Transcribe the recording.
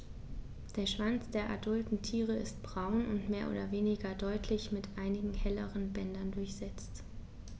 Der Schwanz der adulten Tiere ist braun und mehr oder weniger deutlich mit einigen helleren Bändern durchsetzt.